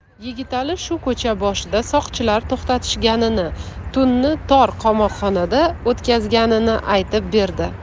yigitali shu ko'cha boshida soqchilar to'xtatishganini tunni tor qamoqxonada o'tkazganini aytib berdi